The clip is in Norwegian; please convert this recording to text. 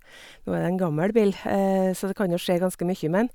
Nå er det en gammel bil, så det kan jo skje ganske mye med den.